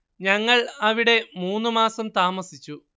ഞങ്ങൾ അവിടെ മൂന്ന് മാസം താമസിച്ചു